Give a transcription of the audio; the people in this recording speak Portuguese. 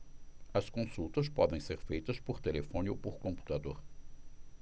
as consultas podem ser feitas por telefone ou por computador